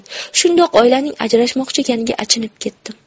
shundoq oilaning ajrashmoqchi ekaniga achinib ketdim